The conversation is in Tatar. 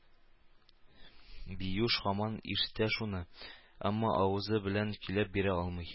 Биюш һаман ишетә шуны, әмма авызы белән көйләп бирә алмый.